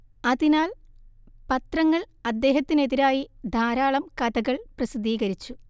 അതിനാൽ പത്രങ്ങൾ അദ്ദേഹത്തിനെതിരായി ധാരാളം കഥകൾ പ്രസിദ്ധീകരിച്ചു